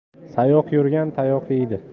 sayoq yurgan tayoq yer